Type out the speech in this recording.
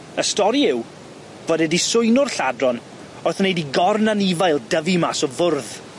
Y stori yw fod e 'di swyno'r lladron wrth wneud i gorn anifail dyfu mas o fwrdd.